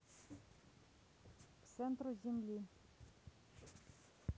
к центру земли